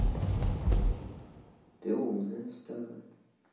ты умная стала